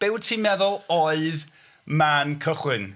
Be wyt ti'n meddwl oedd man cychwyn?